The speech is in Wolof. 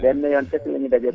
benn yoon kese la ñu daje